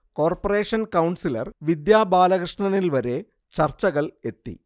corporation councillor Vidya ബാലകൃഷ്ണനിൽ വരെ ചർച്ചകൾ എത്തി